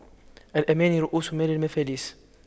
الأماني رءوس مال المفاليس